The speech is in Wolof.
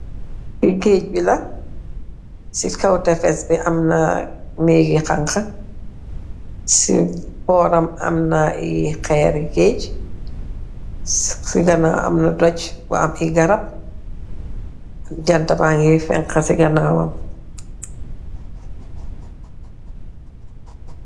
ci géej bi la ci cowtefes bi am na néegi xanxa ci booram am na i xeeri géej ci gana amna doj ba am i garab jantba ngi fenx ci ganawam